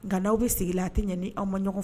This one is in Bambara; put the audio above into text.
Nka'aw bɛ sigi la a tɛ ɲani aw ma ɲɔgɔn fɛ